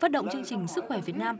phát động chương trình sức khỏe việt nam